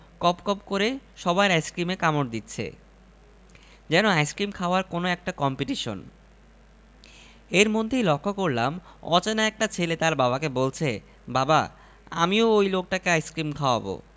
কপ কপ করে সবার আইসক্রিমে কামড় দিচ্ছে যেন আইসক্রিম খাওয়ার কোন একটা কম্পিটিশন এর মধ্যেই লক্ষ্য করলাম অচেনা একটা ছেলে তার বাবাকে বলছে বাবা আমিও ঐ লোকটাকে আইসক্রিম খাওযাব